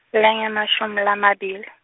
le langemashumi lamabili.